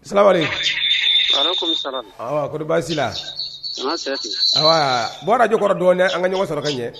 Sari ko baasi la bɔrajikɔrɔ dɔɔnin an ka ɲɔgɔn saraka ɲɛ